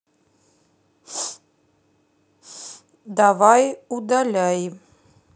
давай удаляй